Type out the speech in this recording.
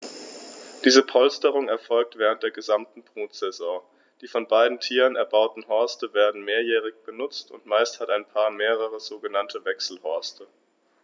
Diese Polsterung erfolgt während der gesamten Brutsaison. Die von beiden Tieren erbauten Horste werden mehrjährig benutzt, und meist hat ein Paar mehrere sogenannte Wechselhorste.